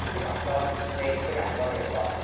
cymdeithasol neu trwy anfon e-bost.